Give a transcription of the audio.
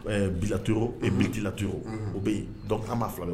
Ɛɛ bit min bilalat o bɛ yen dɔn ka' fila